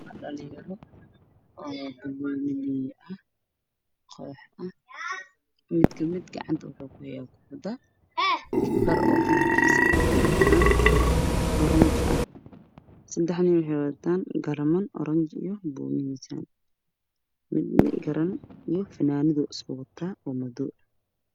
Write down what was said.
Waa dhalinyaro banooni dheelaayo oo koox ah mid gacanta waxuu kuhayaa kubada, waxay wataan dhar oranji ah, seddex nin waxay wataan garamo jaale iyo buumihiisa midna garan iyo buume madow ah ayuu wataa.